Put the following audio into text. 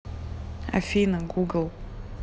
афина google